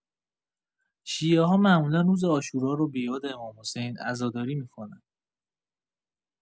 شیعه‌ها معمولا روز عاشورا رو بۀاد امام‌حسین عزاداری می‌کنن.